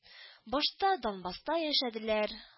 Башта Донбасста яшәделәр